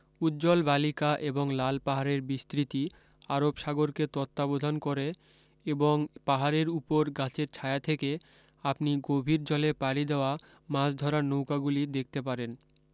উজ্জ্বল বালিকা এবং লাল পাহাড়ের বিস্তৃতি আরব সাগরকে তত্ত্বাবধান করে এবং পাহাড়ের উপর গাছের ছায়া থেকে আপনি গভীর জলে পাড়ি দেওয়া মাছ ধরার নৌকাগুলি দেখতে পারেন